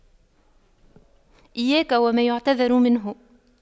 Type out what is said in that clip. إياك وما يعتذر منه